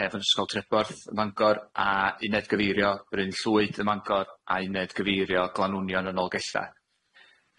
hen ysgol Treborth ym Mangor a uned gyfeirio Bryn Llwyd ym Mangor a uned gyfeirio Glanwnion yn Nolgella.